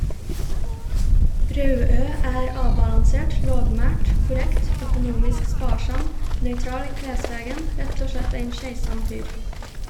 Rauø er avbalansert, lågmælt, korrekt, økonomisk sparsam, nøytral i klesvegen rett og slett ein keisam fyr.